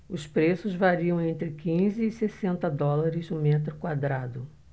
os preços variam entre quinze e sessenta dólares o metro quadrado